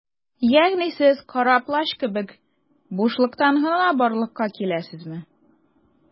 Ягъни сез Кара Плащ кебек - бушлыктан гына барлыкка киләсезме?